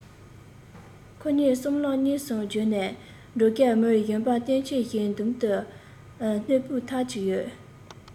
ཁོ གཉིས སྲང ལམ གཉིས གསུམ བརྒྱུད ནས འགྲོ སྐབས མི གཞོན པ སྟོབས ཆེན ཞིག མདུན དུ སྣམ སྤུ འཐགས ཀྱི ཡོད